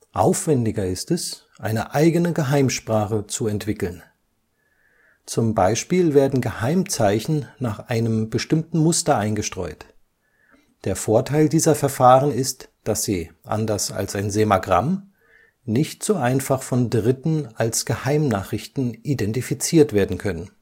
Aufwändiger ist es, eine eigene Geheimsprache zu entwickeln. Zum Beispiel werden Geheimzeichen nach einem bestimmten Muster eingestreut. Der Vorteil dieser Verfahren ist, dass sie, anders als ein Semagramm, nicht so einfach von Dritten als Geheimnachrichten identifiziert werden können